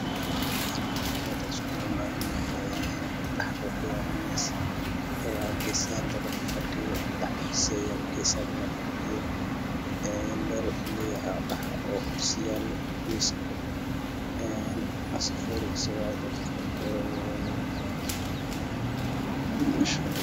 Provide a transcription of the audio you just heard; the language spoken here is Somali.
Halakaan wameel xalfad ah oo liskugu imaday dhaxda gesaha daa fadhiyo dhaxdana kursi ba yala gesaha dada fadhiyo dhaxda meel waxuu leyahay dhax ah kursi yaalo miska saf oo dad wreegsan wayee mesha fadhiyo